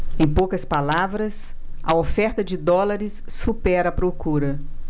em poucas palavras a oferta de dólares supera a procura